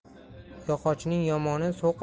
yog'ochning yomoni so'qi